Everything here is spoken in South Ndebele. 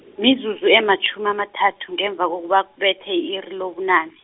mizuzu ematjhumi amathathu ngemva kokuba kubethe i-iri lobunane.